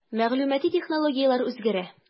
Мәгълүмати технологияләр үзгәрә.